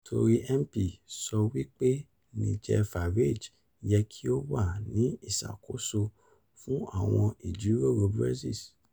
Tory MP sọ wí pé NIGEL FARAGE yẹ ki o wa ni iṣakoso fun awọn ijiroro Brexit